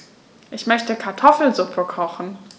Ich möchte Kartoffelsuppe kochen.